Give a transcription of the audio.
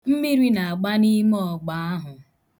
Mmiri na-agba n' ime ọgba ahụ.